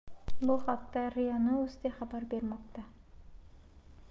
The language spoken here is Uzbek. bu haqda ria novosti xabar bermoqda